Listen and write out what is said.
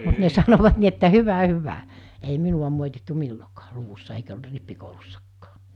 mutta ne sanoivat niin että hyvä hyvä ei minua moitittu milloinkaan luvussa eikä ollut rippikoulussakaan